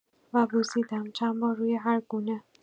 و بوسیدم، چند بار روی هرگونه.